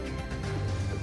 San yo